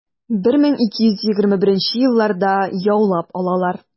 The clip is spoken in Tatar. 1221 елларда яулап алалар.